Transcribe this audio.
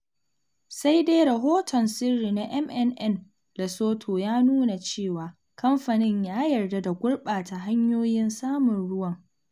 Sai dai rahoton sirri na MNN Lesotho ya nuna cewa, kamfanin ya yarda da gurɓata hanyoyin samun ruwan.